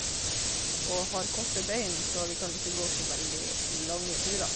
Og har korte bein, så vi kan ikke gå så veldig lange turer.